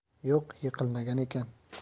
yo'q yiqilmagan ekan